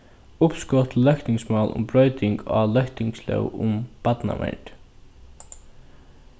uppskot til løgtingsmál um broyting á løgtingslóg um barnavernd